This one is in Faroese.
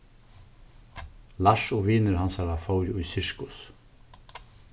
lars og vinir hansara fóru í sirkus